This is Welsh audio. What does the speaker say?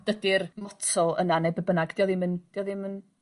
dydi'r motto yna ne' be' bynnag 'di o ddim yn 'di o ddim yn